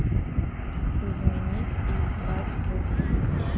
изменить и играть в